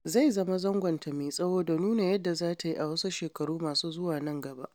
Zai zama zangonta mai tsawo da nuna yadda za ta yi a wasu shekaru masu zuwa nan gaba.